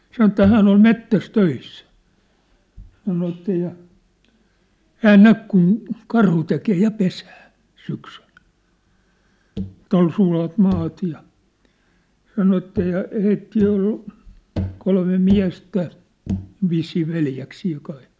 sanoi että hän oli metsässä töissä sanoi että ja hän näki kun karhu tekee ja pesää syksyllä että oli sulat maat ja sanoi että ja heitä oli kolme miestä vissiin veljeksiä kai